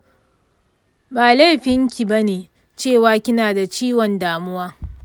ba laifinki bane cewa kina da ciwon damuwa.